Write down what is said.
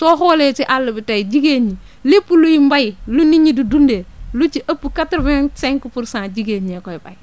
soo xoolee ci àll bi tey jigéen ñi lépp luy mbay lu nit ñi di dundee lu ci ëpp quatre vingt cinq pour cent jigéen ñee koy bay